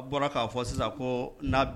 A bɔra k'a fɔ sisan ko